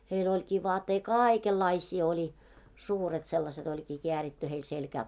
heillä olikin vaatteita kaikenlaisia oli suuret sellaiset olikin kääritty heillä selkään